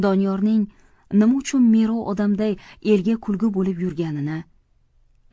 doniyorning nima uchun merov odamday elga kulgi bo'lib yurganini